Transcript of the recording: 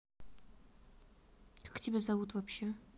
как тебя зовут вообще